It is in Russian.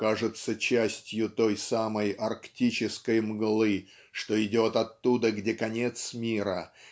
кажется частью той самой арктической мглы что идет оттуда где конец мира